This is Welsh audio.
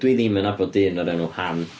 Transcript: Dwi ddim yn nabod dyn o'r enw Han.